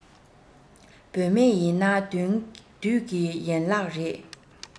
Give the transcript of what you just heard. བུད མེད ཡིན ན བདུད ཀྱི ཡན ལག རེད